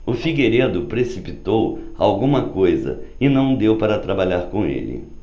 o figueiredo precipitou alguma coisa e não deu para trabalhar com ele